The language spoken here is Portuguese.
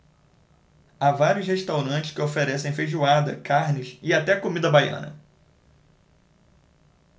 há vários restaurantes que oferecem feijoada carnes e até comida baiana